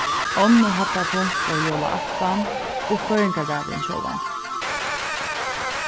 onnur hæddarpunkt vóru jólaaftan og føðingardagurin sjálvandi